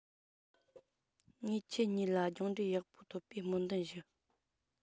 ངས ཁྱེད གཉིས ལ སྦྱངས འབྲས ཡག པོ ཐོབ པའི སྨོན འདུན ཞུ